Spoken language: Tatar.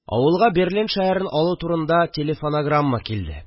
Авылга Берлин шәһәрен алу турында телефонограмма килде